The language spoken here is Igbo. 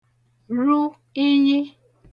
ru inyi